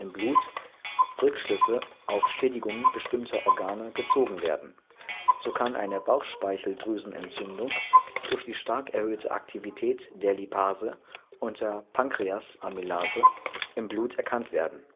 Blut Rückschlüsse auf Schädigungen bestimmter Organe gezogen werden. So kann eine Bauchspeicheldrüsenentzündung durch die stark erhöhte Aktivität der Lipase und der Pankreas-Amylase im Blut erkannt werden